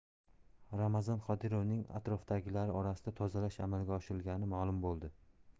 ramzan qodirovning atrofidagilari orasida tozalash amalga oshirilgani ma'lum bo'ldi